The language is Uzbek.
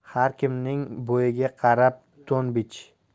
har kimning bo'yiga qarab to'n bich